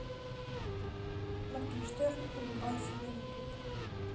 моргенштерн улыбайся на ютуб